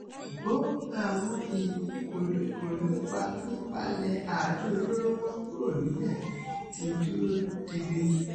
Ṣùgbọ́n àwọn ìfikùnlukùn nípa pípalẹ àdó olóró mọ kúrò nílẹ̀ ti dúró digbé.